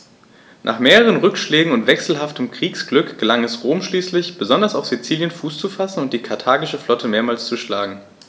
Nach mehreren Rückschlägen und wechselhaftem Kriegsglück gelang es Rom schließlich, besonders auf Sizilien Fuß zu fassen und die karthagische Flotte mehrmals zu schlagen.